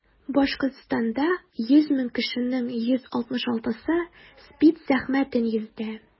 Башкортстанда 100 мең кешенең 166-сы СПИД зәхмәтен йөртә.